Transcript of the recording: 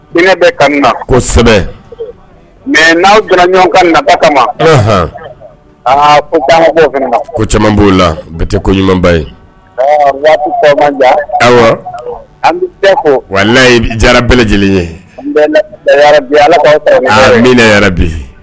Hinɛ bɛ ka na kosɛbɛ mɛ n'aw bɔra ɲɔgɔn ka na kama hɔn aa ko kaba ko caman b'o la bitɛ ko ɲumanba ye ayiwa an ko wala ye jara bɛɛele lajɛlen ye n bi ala bɛna yɛrɛ bi